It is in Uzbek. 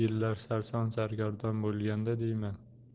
yillar sarson sargardon bo'lganda deyman